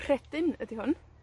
Rhedyn ydi hwn.